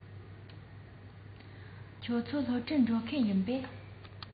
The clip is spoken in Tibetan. ཁྱེད ཚོ སློབ གྲྭར འགྲོ མཁན ཡིན པས